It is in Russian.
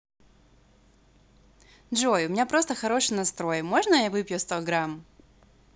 джой у меня просто хороший настрой можно я выпью сто грамм